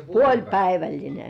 puolipäivällinen